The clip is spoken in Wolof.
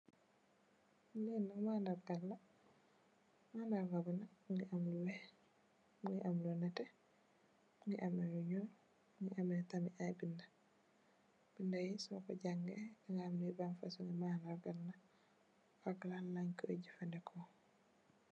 Lii nak mandarga la, mandarga bi nak mingi am lu weex, mingi am lu nete, mingi am lu nyuul, mingi amme tamit ay binde, binde yi so ko jangee di xam li ban fason mandarga la ak lan leenj ko jafandiko.